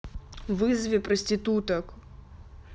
вызови проституток